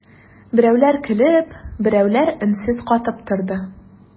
Берәүләр көлеп, берәүләр өнсез катып торды.